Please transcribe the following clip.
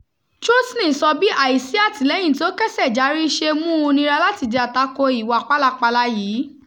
Chutni sọ bí àìsí àtìlẹ́yìn tó késejárí ṣe mú u nira láti jà tako ìwà pálapàla yìí.